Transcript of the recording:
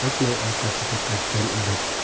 aytmay orqasiga qaytgan edi